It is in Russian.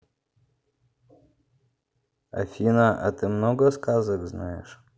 афина а ты много сказок знаешь